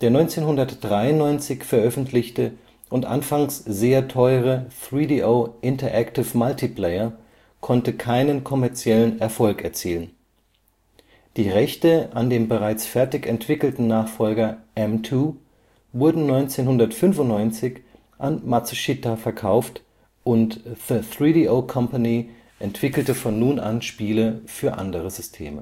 1993 veröffentlichte und anfangs sehr teure 3DO Interactive Multiplayer konnte keinen kommerziellen Erfolg erzielen. Die Rechte an dem bereits fertig entwickelten Nachfolger M2 wurden 1995 an Matsushita verkauft, und The 3DO Company entwickelte von nun an Spiele für andere Systeme. Die